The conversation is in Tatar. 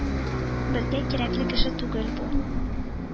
«безгә кирәкле кеше түгел бу!»